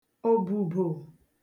òbùbò